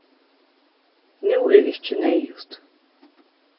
nú er ikki neyðugt